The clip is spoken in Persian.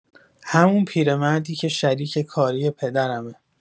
همون پیرمردی که شریک کاری پدرمه.